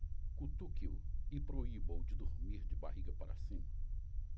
cutuque-o e proíba-o de dormir de barriga para cima